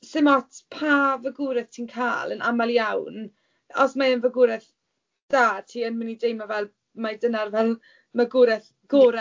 'Sdim ots pa fagwraeth ti'n cael yn aml iawn os mae e'n fagwraeth dda, ti yn mynd i deimlo fel mai dyna'r fel magwraeth gorau.